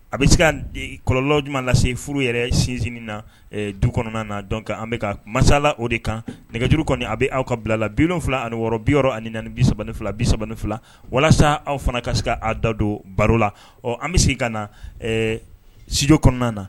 A bɛ se kɔlɔlɔuma lase furu yɛrɛ sinsin na du kɔnɔna na dɔn an bɛka ka masala o de kan nɛgɛjuru kɔni a bɛ aw ka bilala bi wolonwula ani wɔɔrɔ bi yɔrɔ ani na bisa fila bi fila walasa aw fana ka se' dadon baro la ɔ an bɛ se ka na studio kɔnɔna na